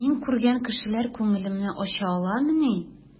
Мин күргән кешеләр күңелемне ача аламыни?